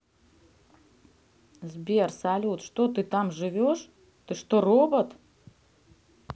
сбер салют что ты там живешь ты что робот